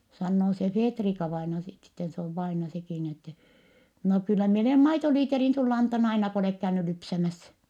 sanoo se Feetrika-vainaja sitten sitten se on vainaja sekin niin että no kyllä minä olen maitolitran sinulle antanut aina kun olet käynyt lypsämässä